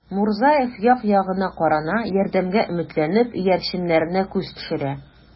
Мурзаев як-ягына карана, ярдәмгә өметләнеп, иярченнәренә күз төшерә.